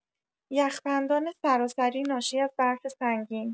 یخبندان سراسری ناشی از برف سنگین